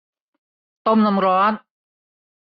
ต้มน้ำร้อน